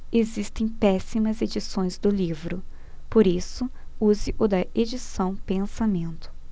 existem péssimas edições do livro por isso use o da edição pensamento